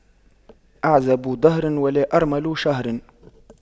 أعزب دهر ولا أرمل شهر